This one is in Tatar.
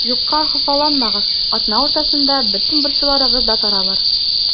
Юкка хафаланмагыз, атна уртасында бөтен борчуларыгыз да таралыр.